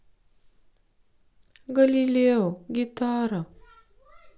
галилео гитара